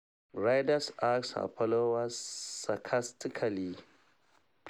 Reyder asked her followers sarcastically.